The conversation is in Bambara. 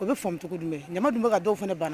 O bɛ faamucogo dunbɛn ɲamama dunba ka dɔw fana banna